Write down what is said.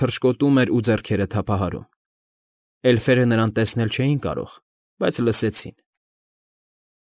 Թռչկոտում էր ու ձեռքերը թափահարում։ Էլֆերը նրան տեսնել չէին կարող, բայց լսեցին։